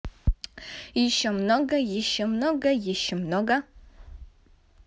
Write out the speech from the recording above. еще много еще много еще много